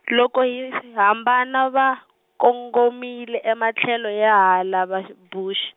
loko hi hambana va kongomile ematlhelo ya hala vaBux-.